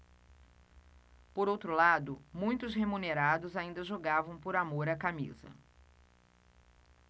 por outro lado muitos remunerados ainda jogavam por amor à camisa